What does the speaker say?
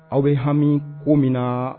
Aw bɛ hami ko min na